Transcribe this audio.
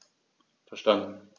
Verstanden.